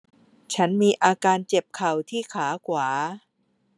ฉันมีอาการเจ็บเข่าที่ขาขวา